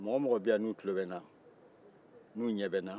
mɔgɔ o mɔgɔ bɛ yan n'u tulo bɛ n na n'u ɲɛ bɛ n na